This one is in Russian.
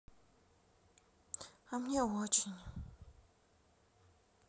а мне очень